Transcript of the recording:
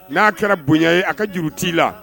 N'a kɛra bonya ye a ka juru t'i la